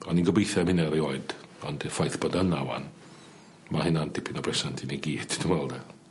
o'n i'n gobeithio am hynna erioed ond y ffaith bod yna ŵan ma' hynna'n dipyn o bresant i ni gyd dwi me'wl 'de.